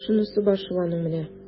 Шунысы бар шул аның менә! ..